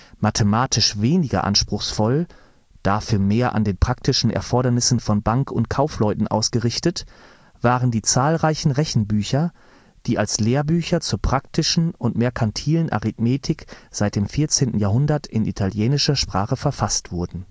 Mathematisch weniger anspruchsvoll, dafür mehr an den praktischen Erfordernissen von Bank - und Kaufleuten ausgerichtet, waren die zahlreichen Rechenbücher, die als Lehrbücher zur praktischen und merkantilen Arithmetik seit dem 14. Jahrhundert in italienischer Sprache verfasst wurden